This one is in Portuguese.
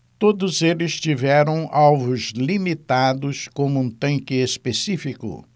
todos eles tiveram alvos limitados como um tanque específico